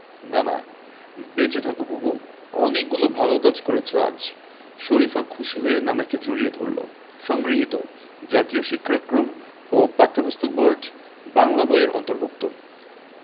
নানা বেঁচে থাকো বুবু অনেকগুলো ভালো কাজ করেছ আজ শরিফা খুশি হয়ে নানাকে জড়িয়ে ধরল সংগৃহীত জাতীয় শিক্ষাক্রম ও পাঠ্যপুস্তক বোর্ড বাংলা বই এর অন্তর্ভুক্ত